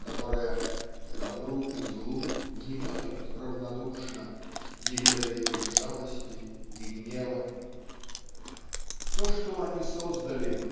которая "добру и злу внимает равнодушно не ведая ни жалости ни гнева". То что они создали